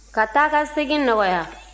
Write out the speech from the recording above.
ka taa ka segin nɔgɔya